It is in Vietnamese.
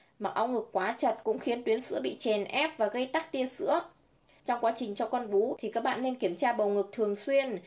mặc áo ngực quá chật cũng khiến tuyến sữa bị chèn ép và gây tắc tia sữa trong quá trình cho con bú thì các bạn nên kiểm tra bầu ngực thường xuyên